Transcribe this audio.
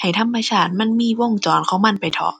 ให้ธรรมชาติมันมีวงจรของมันไปเถาะ